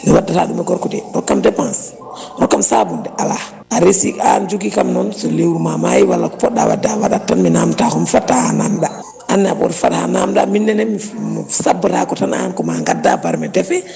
mi waddata ɗum e gorko nde hokkam dépense hokkam sabunde ala a reesi an joguikam noon so lewru ma maayi walla ko poɗɗa wadde a waɗat te mi namdotakoma mi fatta han namdoɗa ane oto fat ha namdeɗa minenne mi sabbotako tan an ko ma gadda mbardme deefe